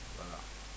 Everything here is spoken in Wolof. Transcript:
voilà